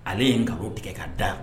Ale ye nkalon tigɛ ka da